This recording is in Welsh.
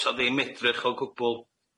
Do's 'a ddim edrych o gwbwl